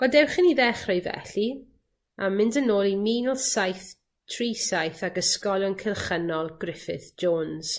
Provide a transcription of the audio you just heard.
Gwadewch i ni ddechrau felly, a mynd yn ôl i mil saith tri saith ag ysgolion cylchynol Griffith Jones.